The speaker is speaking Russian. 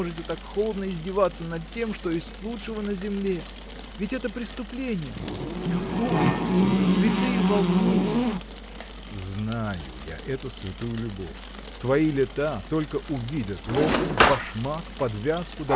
можете так холодно издеваться над тем что есть лучшего на земле? ведь это преступление. Любовь. святые волнения! – Знаю я эту святую любовь в твои лета только увидят локон башмак подвязку